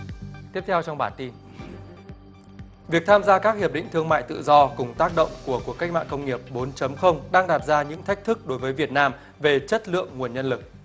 tiếp theo trong bản tin việc tham gia các hiệp định thương mại tự do cùng tác động của cuộc cách mạng công nghiệp bốn chấm không đang đặt ra những thách thức đối với việt nam về chất lượng nguồn nhân lực